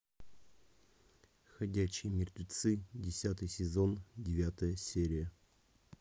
ходячие мертвецы десятый сезон девятая серия